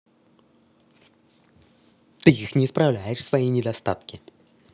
ты их не исправляешь свои недостатки